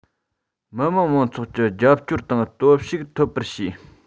མི དམངས མང ཚོགས ཀྱི རྒྱབ སྐྱོར དང སྟོབས ཤུགས ཐོབ པར བྱས